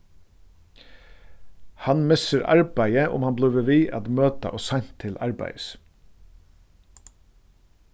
hann missir arbeiðið um hann blívur við at møta ov seint til arbeiðis